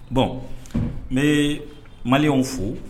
Bɔn n bɛ maliw fo